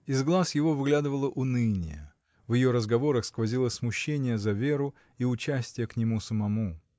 Из глаз его выглядывало уныние, в ее разговорах сквозило смущение за Веру и участие к нему самому.